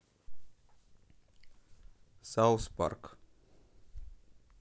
саус парк